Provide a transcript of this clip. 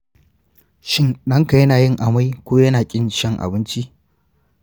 shin ɗanka yana yin amai ko yana ƙin shan abinci?